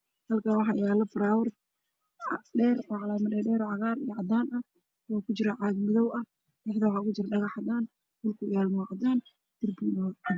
Halkaan waxaa yaalo falaawar dheer oo caleemo dhaadheer leh oo cagaar iyo cadaan ah waxuu kujiraa caag madow ah dhexdiisa waxaa kujiro dhagax cadaan, dhulka uu yaalo waa cadaan, darbiga waa buluug.